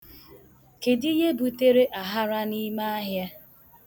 Kedu ihe butere aghara n'ime ahịa?